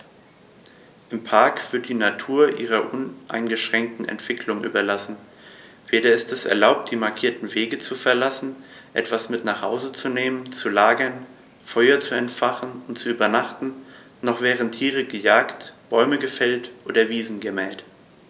Im Park wird die Natur ihrer uneingeschränkten Entwicklung überlassen; weder ist es erlaubt, die markierten Wege zu verlassen, etwas mit nach Hause zu nehmen, zu lagern, Feuer zu entfachen und zu übernachten, noch werden Tiere gejagt, Bäume gefällt oder Wiesen gemäht.